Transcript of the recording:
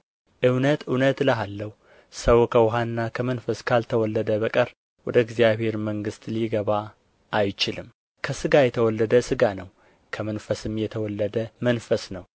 እውነት እውነት እልሃለሁ ሰው ከውኃና ከመንፈስ ካልተወለደ በቀር ወደ እግዚአብሔር መንግሥት ሊገባ አይችልም ከሥጋ የተወለደ ሥጋ ነው ከመንፈስም የተወለደ መንፈስ ነው